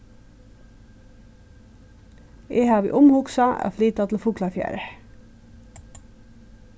eg havi umhugsað at flyta til fuglafjarðar